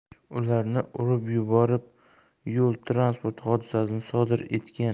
ularni urib yuborib yo'l transport hodisasini sodir etgan